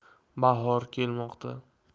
bahor kelmoqda